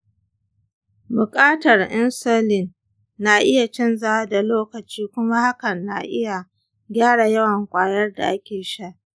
buƙatar insulin na iya canzawa da lokaci kuma hakan na iya gyara yawan ƙwayar da ake sha.